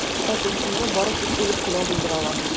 Протестымны бары тик үлеп кенә белдерә алам.